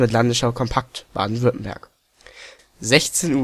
Landesschau kompakt Baden-Württemberg) 16.00